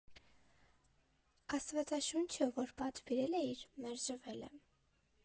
Աստվածաշունչը որ պատվիրել էիր, մերժվել է։